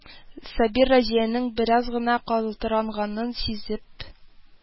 Сабир, Разиянең бераз гына калтыранганын сизеп: